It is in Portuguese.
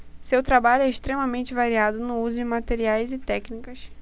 seu trabalho é extremamente variado no uso de materiais e técnicas